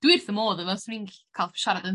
dwi wrth fy modd efo 'swn i'n g'll' ca'l siarad yn